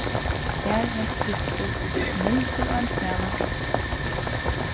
og har hekk kristus negldur á ein smalan kross